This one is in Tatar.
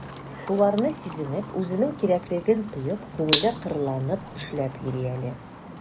Шуларны сизенеп, үзенең кирәклеген тоеп, күңеле кырланып эшләп йөри әле...